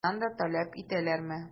Чыннан да таләп итәләрме?